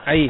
ayi